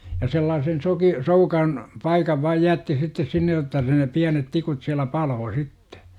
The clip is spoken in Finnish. ja sellaisen - soukan paikan vain jätti sitten sinne jotta sitten ne pienet tikut siellä paloi sitten